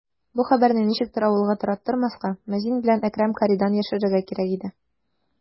Бу хәбәрне ничектер авылга тараттырмаска, мәзин белән Әкрәм каридан яшерергә кирәк иде.